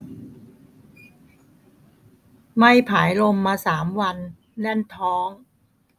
ไม่ผายลมมาสามวันแน่นท้อง